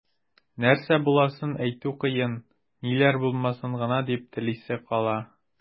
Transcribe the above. Нәрсә буласын әйтү кыен, ниләр булмасын гына дип телисе кала.